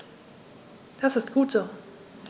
Das ist gut so.